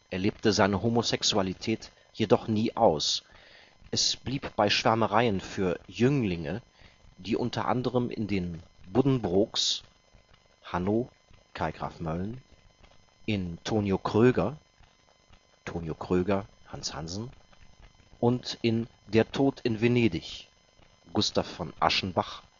Er lebte seine Homosexualität jedoch nie aus, es blieb bei Schwärmereien für „ Jünglinge “, die unter anderem in den Buddenbrooks (Hanno/Kai Graf Mölln), in Tonio Kröger (Tonio Kröger/Hans Hansen) und in Der Tod in Venedig (Gustav von Aschenbach/Tadzio